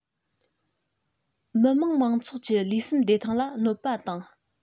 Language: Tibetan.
མི དམངས མང ཚོགས ཀྱི ལུས སེམས བདེ ཐང ལ གནོད པ དང